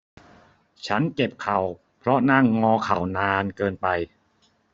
ฉันเจ็บเข่าเพราะนั่งงอเข่านานเกินไป